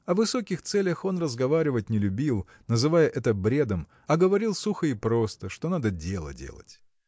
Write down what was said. О высоких целях он разговаривать не любил называя это бредом а говорил сухо и просто что надо дело делать.